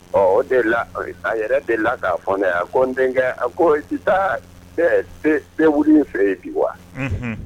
Ɔɔ o de la a yɛrɛ de la k'a fɔ ne ye. A ko n denkɛ a ko i tɛ taa thé wili fɛ yen bi wa. Unhun.